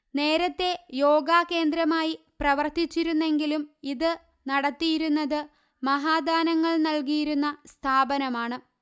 നേരത്തെ യോഗാകേന്ദ്രമായി പ്രവര്ത്തിച്ചിരുന്നെങ്കിലും ഇതു നടത്തിയിരുന്നത് മഹാദാനങ്ങള് നല്കിയിരുന്ന സ്ഥാപനമാണ്